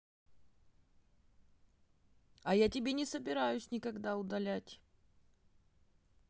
а я тебе не собираюсь никогда удалять